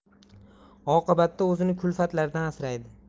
oqibatda o'zini kulfatlardan asraydi